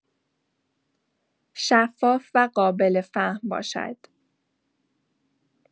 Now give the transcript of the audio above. شفاف و قابل‌فهم باشد!